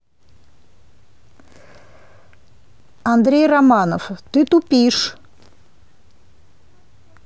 андрей романов ты тупишь